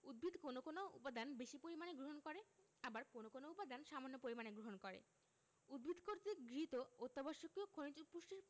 উদ্ভিদ কোনো কোনো উপাদান বেশি পরিমাণে গ্রহণ করে আবার কোনো কোনো উপাদান সামান্য পরিমাণে গ্রহণ করে উদ্ভিদ কর্তৃক গৃহীত অত্যাবশ্যকীয় খনিজ পুষ্টির